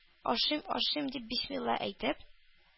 “ашыйм-ашыйм”, – дип, бисмилла әйтеп,